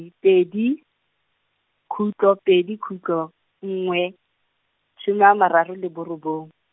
e pedi, khutlo pedi khutlo, nngwe, some a mararo le borobong.